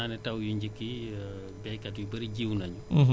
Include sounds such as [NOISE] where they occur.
foog naa ne taw yu njëkk yi [HESITATION] baykat yu bëri jiwu nañ